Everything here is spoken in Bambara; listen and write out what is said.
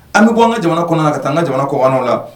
An bɛ bɔ an ka jamana kɔnɔna ka taa an ka jamana kɔ wa la